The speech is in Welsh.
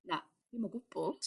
Na dim o gwbwl.